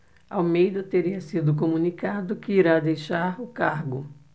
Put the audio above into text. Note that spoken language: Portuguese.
almeida teria sido comunicado que irá deixar o cargo